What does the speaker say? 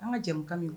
An ka jamu ye